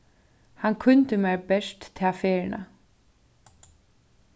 hann kíndi mær bert ta ferðina